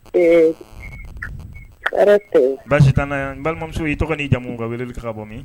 Ee ko baasi t n' balimamuso y tɔgɔ'i jamumu kan wele bɛ ka bɔ min